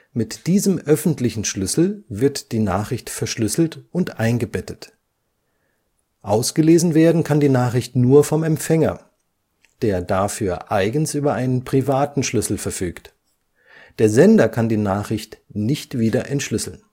Mit diesem öffentlichen Schlüssel wird die Nachricht verschlüsselt und eingebettet. Ausgelesen werden kann die Nachricht nur vom Empfänger, der dafür eigens über einen privaten Schlüssel verfügt. Der Sender kann die Nachricht nicht wieder entschlüsseln